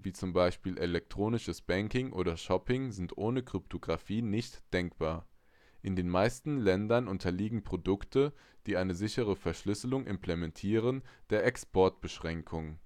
z. B. elektronisches Banking oder Shopping sind ohne Kryptographie nicht denkbar. In den meisten Ländern unterliegen Produkte, die eine sichere Verschlüsselung implementieren, der Exportbeschränkung